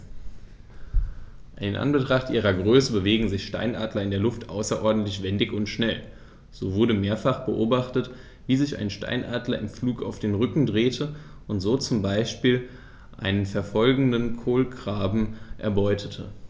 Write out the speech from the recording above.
In Anbetracht ihrer Größe bewegen sich Steinadler in der Luft außerordentlich wendig und schnell, so wurde mehrfach beobachtet, wie sich ein Steinadler im Flug auf den Rücken drehte und so zum Beispiel einen verfolgenden Kolkraben erbeutete.